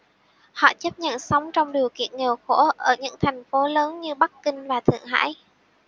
họ chấp nhận sống trong điều kiện nghèo khổ ở những thành phố lớn như bắc kinh và thượng hải